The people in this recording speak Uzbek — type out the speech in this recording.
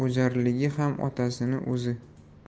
o'jarligi ham otasini o'zi